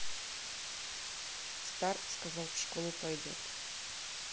star сказал в школу пойдет